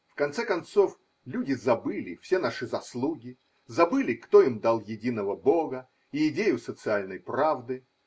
В конце концов, люди забыли все наши заслуги, забыли, кто им дал единого Б-га и идею социальной правды